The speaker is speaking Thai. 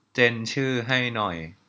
เจนชื่อให้หน่อย